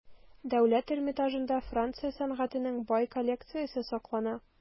Дәүләт Эрмитажында Франция сәнгатенең бай коллекциясе саклана.